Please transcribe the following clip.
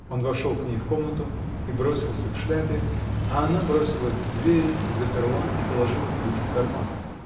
Он вошел к ней в комнату и бросился к шляпе, а она бросилась к двери, заперла и положила ключ в карман.